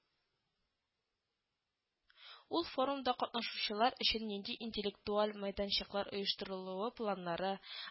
Ул форумда катнашучылар өчен нинди интеллектуаль мәйданчыклар оештырылу планнары